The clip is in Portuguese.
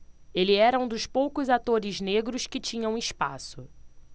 ele era um dos poucos atores negros que tinham espaço